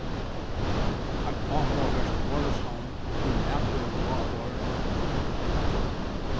eitt áhugavert orðasavn við matorðum lá á borðinum